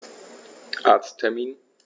Arzttermin